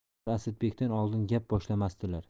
ular asadbekdan oldin gap boshlamasdilar